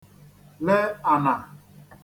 le ànà